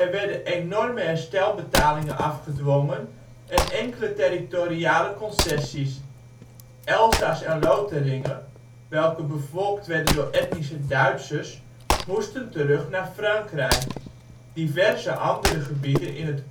werden enorme herstelbetalingen afgedwongen en enkele territoriale concessies: Elzas en Lotharingen (welke bevolkt werden door etnische Duitsers) moesten terug naar Frankrijk; diverse andere gebieden in het